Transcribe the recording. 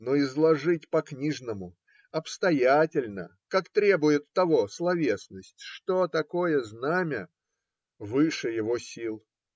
но изложить по-книжному, обстоятельно, как требует того словесность, что такое знамя, выше его сил.